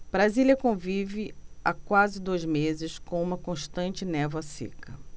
brasília convive há quase dois meses com uma constante névoa seca